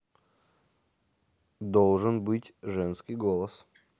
должен быть женский голос